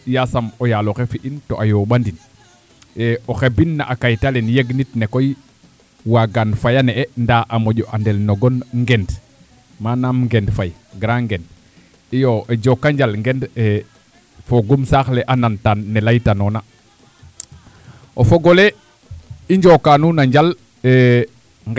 yaasam o yaal oxe fi'in to a yooɓanin oxe bindna a kayit ale yegnit ne koy Wagane Faye a ni'e ndaa a moƴo andel no gon NGend manaam Nged Faye Grand Ngend iyo jokonjal fogum saax le a nantaan ne laytanoona o fog ole i njoka nuun a njal a